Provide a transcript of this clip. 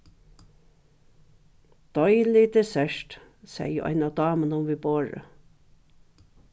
deilig dessert segði ein av damunum við borðið